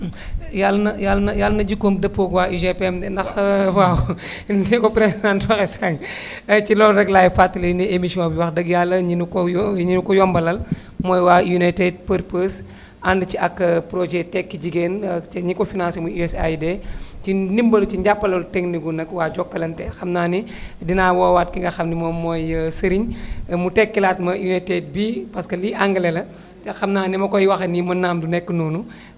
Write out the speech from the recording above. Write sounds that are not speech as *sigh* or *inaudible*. *breath* yàll na yàll na yàlla na jikkoom dëppoo ak waa UGPM de ndax *hesitation* *laughs* ni ko présidente waxee sànq *laughs* ci loolu rek laay fàttali ni émission bi wax dëgg yàlla ñi ñu ko yo ñi ñu ko yombalal *noise* mooy waa United Purpose ànd ci ak *hesitation* projet tekki jigéen ak ci ñi ko financé muy USAID *breath* ci dimbal ci jàppandal technique gu nag waa Jokalante xam naa ni *breath* dinaa woowaat ki nga xam ni moom mooy *hesitation* Serigne *breath* mu tekkilaat ma United bi parce que lii anglais la *breath* te xam naa ni ma koy waxee nii mën naa am du nekk noonu